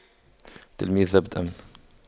تلميذ ضبط أمن